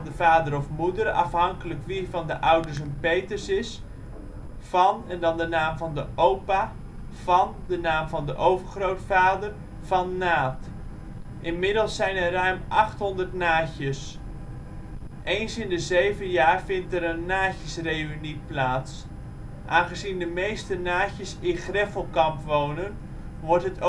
vader of moeder (afhankelijk wie van de ouders een ' Peters ' is)), van (naam opa), van (naam overgrootvader) van Naat. Inmiddels zijn er ruim 800 ' Naatjes '. Eens in de zeven jaar vindt er een Naatjesreunie plaats. Aangezien de meeste Naatjes in Greffelkamp wonen wordt het